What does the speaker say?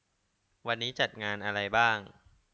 วันนี้จัดงานอะไรบ้าง